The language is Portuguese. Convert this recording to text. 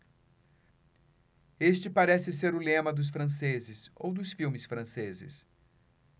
este parece ser o lema dos franceses ou dos filmes franceses